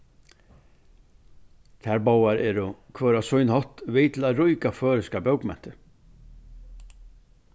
tær báðar eru hvør á sín hátt við til at ríka føroyskar bókmentir